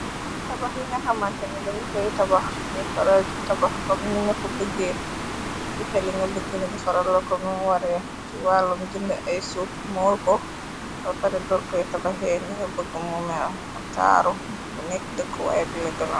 Tabax yi nga xamante ni dañu koy tabax ñiy faral di tabax xam ninga pa bëggee ay joxe. Li nga bëgg ñu defara loka num ware ci wàllum jënd ay suuf mooy ko ba bare dor kay tabaxe linga bëgg. Mu mel mu taaru bu nekk dëkk waaye bi leggna.